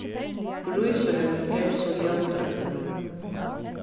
grísurin er so ljótur